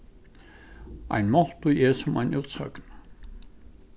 ein máltíð er sum ein útsøgn